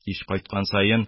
Кич кайткан саен,